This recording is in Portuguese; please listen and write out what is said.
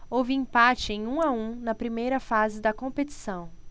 houve empate em um a um na primeira fase da competição